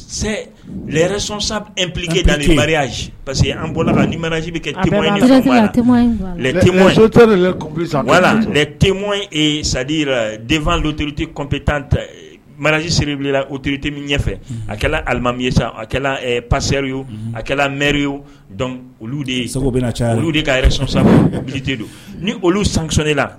Se ɛrɛ sɔsan epkeda ni parce que an bɔra la ni manaj bɛ kɛ temo in sadi denfa don tte cop tan manajisierebla o teritemi ɲɛfɛ a kɛra alimami ye sa a pasɛreri ye a kɛra mirey olu de ye sago bɛ olu de ka sɔsate don ni olu sansɔne la